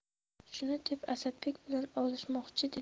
shuni deb asadbek bilan olishmoqchi eding